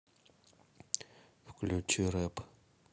включи рэп